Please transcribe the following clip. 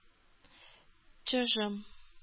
Чыжым